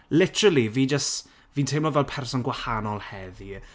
Literally fi jyst... fi'n teimlo fel person gwahanol heddi.